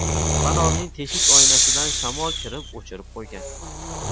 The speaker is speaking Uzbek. fanorning teshik oynasi dan shamol kirib o'chirib qo'ygan